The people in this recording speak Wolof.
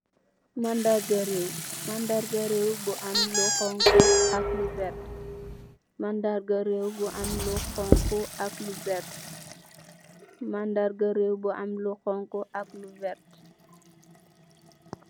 Mandarga reewu bu am lu xonxu ak lu werta .